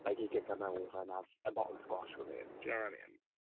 Like he could come over and have a bottle of squash with me. Do you know what I mean?